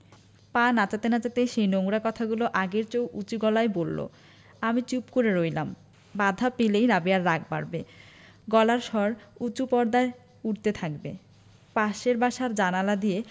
পা নাচাতে নাচাতে সেই নোংরা কথাগুলো আগের চেয়েও উচু গলায় বললো আমি চুপ করে রইলাম বাধা পেলেই রাবেয়ার রাগ বাড়বে গলার স্বর উচু পর্দায় উঠতে থাকবে পাশের বাসার জানালা দিয়ে